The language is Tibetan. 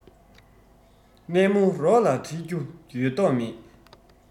གནས མོ རོགས ལ ཁྲིད རྒྱུ ཡོད མདོག མེད